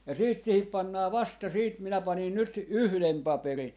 ja sitten siihen pannaan vasta sitten minä panin nyt yhden paperin